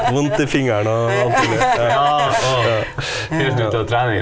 vondt i fingrene og alt mulig ja ja.